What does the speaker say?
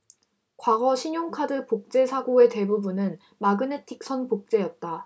과거 신용카드 복제 사고의 대부분은 마그네틱선 복제였다